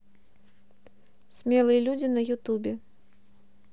смелые люди на ютубе